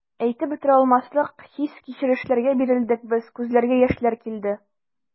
Әйтеп бетерә алмаслык хис-кичерешләргә бирелдек без, күзләргә яшьләр килде.